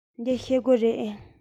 འདི ཤེལ སྒོ རེད